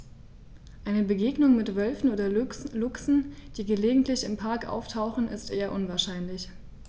Eine Begegnung mit Wölfen oder Luchsen, die gelegentlich im Park auftauchen, ist eher unwahrscheinlich.